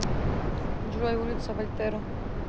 джой улица вальтеру